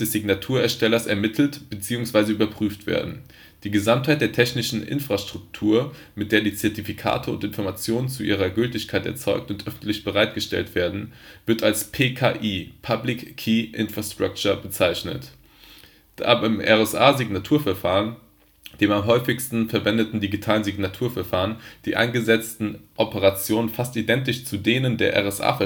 Signaturerstellers ermittelt bzw. überprüft werden. Die Gesamtheit der technischen Infrastruktur, mit der die Zertifikate und Informationen zu ihrer Gültigkeit erzeugt und öffentlich bereitgestellt werden, wird als PKI (Public Key Infrastructure) bezeichnet. Da beim RSA-Signaturverfahren, dem am häufigsten verwendeten digitalen Signaturverfahren, die eingesetzten Operationen fast identisch zu denen der RSA-Verschlüsselung